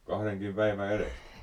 kahdenkin päivän edestä